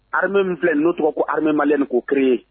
Ha min filɛ n'o tɔgɔ ko hami mani k kooirie